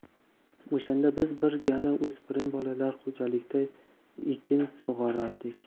o'shanda biz bir gala o'spirin bolalar xo'jalikda ekin sug'orardik